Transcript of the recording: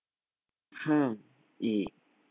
เพิ่มอีก